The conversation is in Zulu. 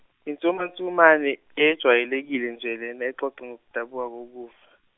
insumansumane eyejwayelekile nje lena exoxa ngokudabuka kokufa.